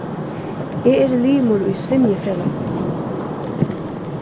eg eri limur í svimjifelagnum